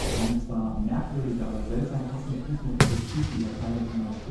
Eine zwar merkwürdige, aber seltsam passende Fußnote zur Geschichte Ihrer Kaiserlichen Majestät